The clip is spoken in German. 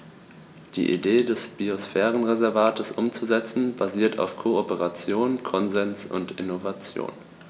Die Idee des Biosphärenreservates umzusetzen, basiert auf Kooperation, Konsens und Innovation.